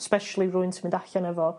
sbesialy rywun ti mynd allan efo